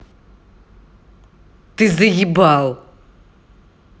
ты заебал